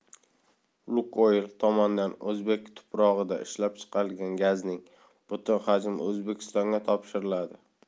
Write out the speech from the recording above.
lukoyl tomonidan o'zbek tuprog'ida ishlab chiqarilgan gazning butun hajmi o'zbekistonga topshiriladi